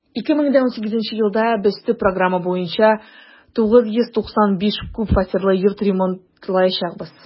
2018 елда без төп программа буенча 995 күп фатирлы йорт ремонтлаячакбыз.